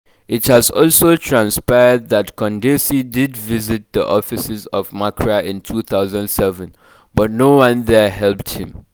It has also transpired that Kondesi did visit the offices of MACRA in 2007, but no one there helped him.